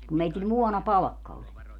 kun meillä muonapalkka oli